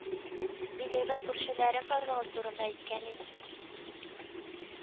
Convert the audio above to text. Бик әйбәт күршеләрем барлыгы турында әйткән идем